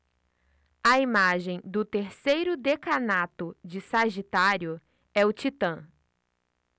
a imagem do terceiro decanato de sagitário é o titã